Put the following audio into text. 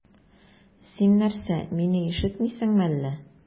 Син нәрсә, мине ишетмисеңме әллә?